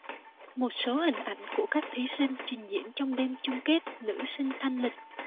một số hình ảnh của các thí sinh trình diễn trong đêm chung kết nữ sinh thanh lịch